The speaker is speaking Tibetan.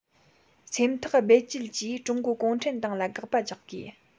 སེམས ཐག རྦད བཅད ཀྱིས ཀྲུང གོའི གུང ཁྲན ཏང ལ དགག པ རྒྱག དགོས